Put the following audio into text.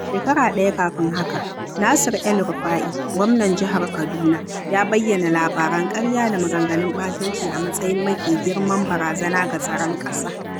Shekara ɗaya kafin haka, Nasir El-Rufa'I, gwamnan jihar Kaduna, ya bayyana labaran ƙarya da maganganun ɓatanci a matsayin "mafi girman barazana" ga tsaron ƙasa.